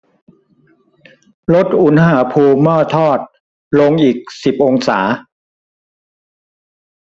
ลดอุณหภูมิหม้อทอดลงอีกสิบองศา